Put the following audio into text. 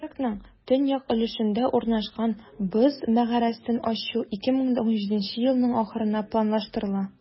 Паркның төньяк өлешендә урнашкан "Боз мәгарәсен" ачу 2017 елның ахырына планлаштырыла.